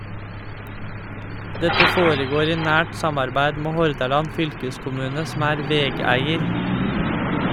Dette foregår i nært samarbeid med Hordaland Fylkeskommune som er vegeier.